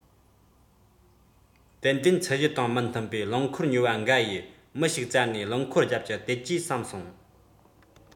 ཏན ཏན ཚད གཞི དང མི མཐུན པའི རླངས འཁོར ཉོ བ འགའ ཡིས མི ཞིག བཙལ ནས རླངས འཁོར རྒྱབ ཀྱི གཏད ཇུས བསམ སོང